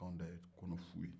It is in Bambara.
k'anw ta ye kɔnɔ fu ye